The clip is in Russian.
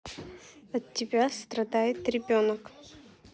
от тебя страдает ребенок